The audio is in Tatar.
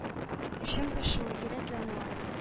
Эчем пошуы, йөрәк януы